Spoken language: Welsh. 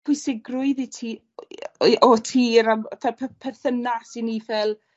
pwysigrwydd i ti o tir am ffel pe- perthynas i ni ffel